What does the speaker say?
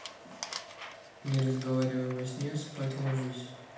не разговаривай во сне спать ложись